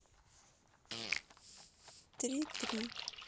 три три